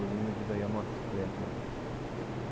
o'zimni juda yomon his qilayapman